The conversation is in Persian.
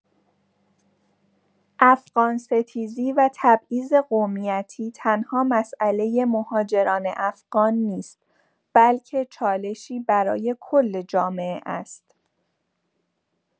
افغان‌ستیزی و تبعیض قومیتی تنها مسئله مهاجران افغان نیست، بلکه چالشی برای کل جامعه است.